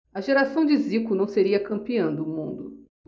a geração de zico não seria campeã do mundo